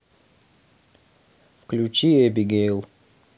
включи эбигейл